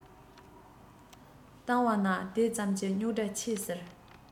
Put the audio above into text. བཏང བ ན དེ ཙམ གྱིས རྙོག དྲ ཇེ ཆེར སོང